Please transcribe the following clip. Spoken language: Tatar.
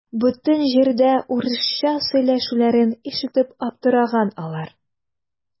Бөтен җирдә урысча сөйләшүләрен ишетеп аптыраган алар.